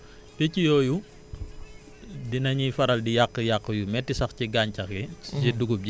waaw picc yooyu dinañiy faral di yàq yàq yu métti sax ci gàncax yi